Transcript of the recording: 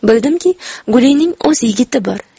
bildimki gulining o'z yigiti bor